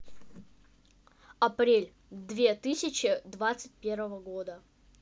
апрель две тысячи двадцать первого года